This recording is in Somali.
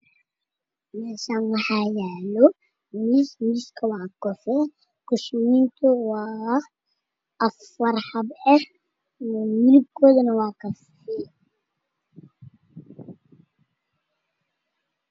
Meeshaan waxaa yaala miisaas afar xabbo ah midna waa guduud-xigeen ka